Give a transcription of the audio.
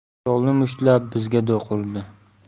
stolni mushtlab bizga do'q urdi